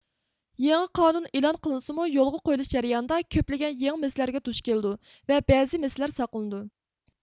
يېڭى قانۇن ئېلان قىلىنسىمۇ يولغا قويۇلۇش جەريانىدا كۆپلىگەن يېڭى مەسىلىلەرگە دۈچ كېلىدۇ ۋە بەزى مەسىلىلەر ساقلىنىدۇ